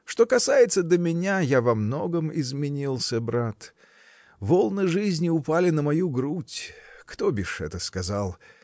) Что касается до меня, я во многом изменился, брат: волны жизни упали на мою грудь, -- кто, бишь, это сказал?